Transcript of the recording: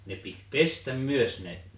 ne piti pestä myös ne